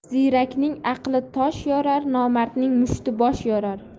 ziyrakning aqli tosh yorar nomardning mushti bosh yorar